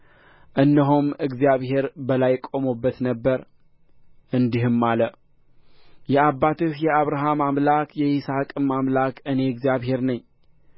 እነሆም እግዚአብሔር በላይ ቆሞበት ነበር እንዲህም አለ የአባትህ የአብርሃም አምላክ የይስሐቅም አምላክ እኔ እግዚአብሔር ነኝ